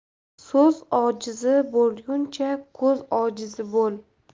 so'z ojizi bo'lguncha ko'z ojizi bo'l